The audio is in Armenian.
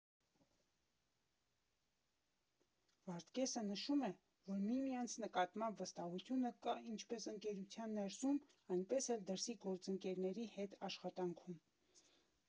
Վարդգեսը նշում է, որ միմյանց նկատմամբ վստահությունը կա ինչպես ընկերության ներսում, այնպես էլ դրսի գործընկերների հետ աշխատանքում։